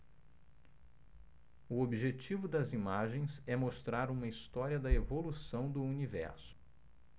o objetivo das imagens é mostrar uma história da evolução do universo